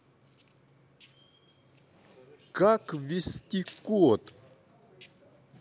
как ввести код